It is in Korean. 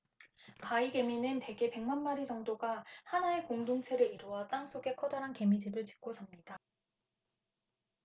가위개미는 대개 백만 마리 정도가 하나의 공동체를 이루어 땅 속에 커다란 개미집을 짓고 삽니다